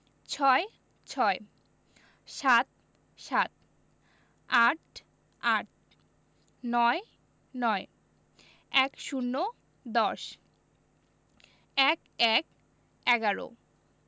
৬ - ছয় ৭ - সাত ৮ - আট ৯ - নয় ১০ – দশ ১১ - এগারো